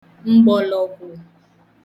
m̀gbọ̀lọ̀gwụ̀